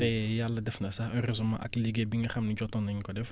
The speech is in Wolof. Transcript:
te Yàlla def na sax heureusement ak liggéey bi nga xam ne jotoon nañ ko def